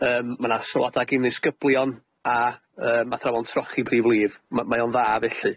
Yym ma' 'na sylwada' gin ddisgyblion a yym athrawon trochi prif lif. M- mae o'n dda felly.